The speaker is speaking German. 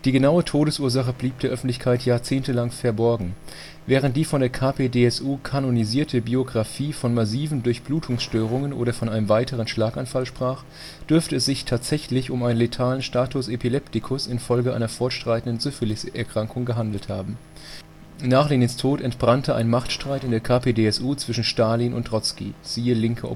genaue Todesursache blieb der Öffentlichkeit jahrzehntelang verborgen. Während die von der KPdSU „ kanonisierte “Biographie von massiven Durchblutungsstörungen oder von einem weiteren Schlaganfall sprach, dürfte es sich tatsächlich um einen letalen Status epilepticus infolge einer fortschreitenden Syphilis-Erkrankung (Neurolues) gehandelt haben. Nach Lenins Tod entbrannte ein Machtstreit in der KPdSU zwischen Stalin und Trotzki (siehe Linke